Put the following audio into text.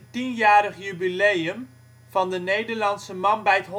tienjarige jubileum van de Nederlandse Man bijt